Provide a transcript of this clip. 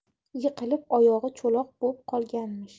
yiqilib oyog'i cho'loq bo'p qolganmish